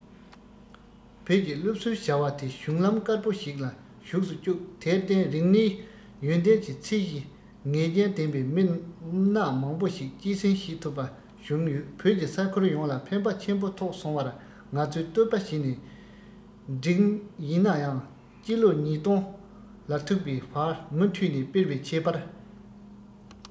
བོད ཀྱི སློབ གསོའི བྱ བ དེ གཞུང ལམ དཀར བོ ཞིག ལ ཞུགས སུ བཅུག དེར བརྟེན རིག གནས ཡོན ཏན གྱི ཚད གཞི ངེས ཅན ལྡན པའི མི སྣ མང བོ ཞིག སྐྱེད སྲིང བྱེད ཐུབ པ བྱུང བོད ཀྱི ས ཁུལ ཡོངས ལ ཕན པ ཆེན པོ ཐོགས སོང བར ང ཚོས བསྟོད པ བྱས ན འགྲིག ཡིན ན ཡང སྤྱི ལོ ཉིས སྟོང ལ ཐུག པའི བར མུ མཐུད ནས སྤེལ བའི ཁྱད པར